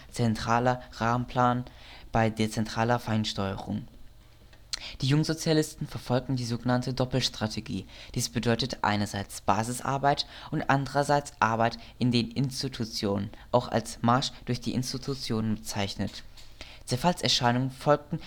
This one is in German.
zentraler Rahmenplan bei dezentraler Feinsteuerung "). Die Jungsozialisten verfolgen die sog. Doppelstrategie. Dies bedeutete einerseits Basisarbeit und andererseits Arbeit in den Institutionen (auch als " Marsch durch die Institutionen " bezeichnet). Zerfallserscheinungen folgten